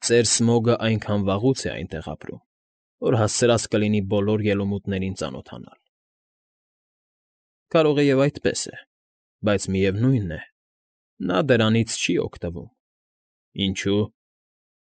Ծեր Սմոգն այնքան վաղուց է այնտեղ ապրում, որ հասցրած կլինի բոլոր ելումուտերին ծանոթանալ։ ֊ Կարող է և այդպես է, բայց միևնույն է, նա դրանից չի օգտվում։ ֊ Ինչո՞ւ։ ֊